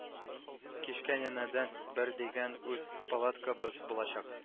Кичкә янәдән бер дигән үз палаткабыз булачак